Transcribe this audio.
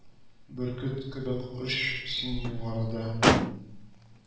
Бөркет кебек оч син югарыда